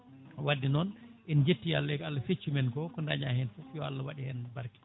wadde noon en jetti Allah eko Allah fecci men ko ko daña hen fo yo Allah waat hen barké